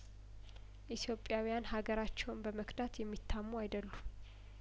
ኢትዮጵያዊያን ሀገራቸውን በመክዳት የሚታሙ አይደሉም